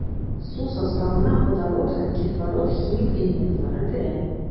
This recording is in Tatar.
Су составына водород һәм кислород химик элементлары керә.